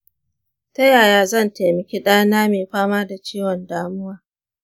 ta yaya zan taimaki ɗa na me fama da ciwon damuwa?